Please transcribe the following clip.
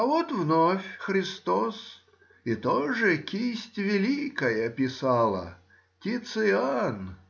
Вот вновь Христос, и тоже кисть великая писала — Тициан